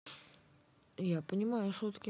я понимаю шутки